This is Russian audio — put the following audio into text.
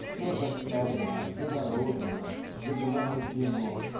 все заставлено, загорожено, загромождено